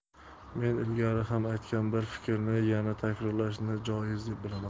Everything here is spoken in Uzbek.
men ilgari ham aytgan bir fikrni yana takrorlashni joiz deb bilaman